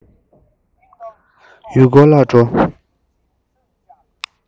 ཡུལ སྐོར ལ འགྲོ